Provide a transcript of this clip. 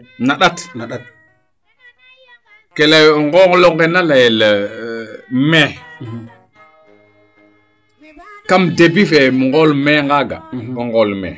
na ndat na ndat ke leyo ngolo nge na leyel mai kam debut fee ŋool mai naaga o ŋool mai